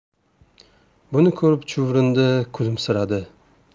buni ko'rib chuvrindi kulimsiradi